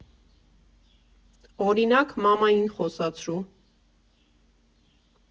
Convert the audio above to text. Օրինակ՝ մամային խոսացրու։